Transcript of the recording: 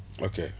ok